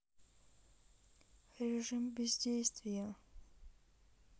режим бездействия